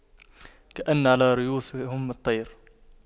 كأن على رءوسهم الطير